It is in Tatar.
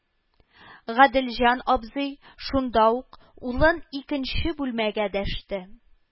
Гаделҗан абзый шунда ук улын икенче бүлмәгә дәште